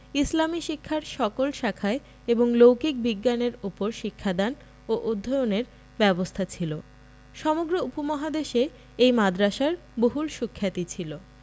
ইসলামি শিক্ষার সকল শাখায় এবং লৌকিক বিজ্ঞানের ওপর শিক্ষাদান ও অধ্যয়নের ব্যবস্থা ছিল সমগ্র উপমহাদেশে এই মাদ্রাসার বহুল সুখ্যাতি ছিল